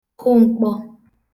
kụ mkpọ